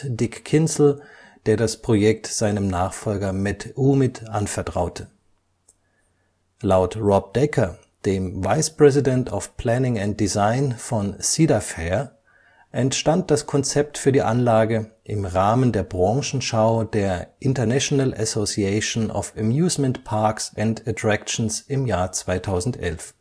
Dick Kinzel, der das Projekt seinem Nachfolger Matt Oumit anvertraute. Laut Rob Decker, dem Vice President of Planning & Design von Cedar Fair, entstand das Konzept für die Anlage im Rahmen der Branchenschau der International Association of Amusement Parks and Attractions 2011